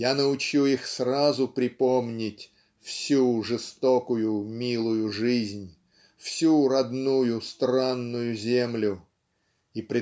Я научу их сразу припомнит! Всю жестокую милую жизнь Всю родную странную землю И